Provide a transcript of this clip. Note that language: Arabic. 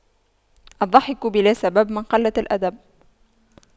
الضحك بلا سبب من قلة الأدب